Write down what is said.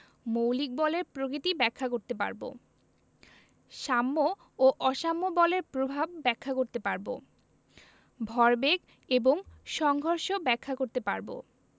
মৌলিক বলের প্রকৃতি ব্যাখ্যা করতে পারব সাম্য ও অসাম্য বলের প্রভাব ব্যাখ্যা করতে পারব ভরবেগ এবং সংঘর্ষ ব্যাখ্যা করতে পারব